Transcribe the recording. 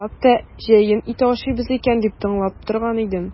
Чынлап та җәен ите ашыйбыз икән дип тыңлап торган идем.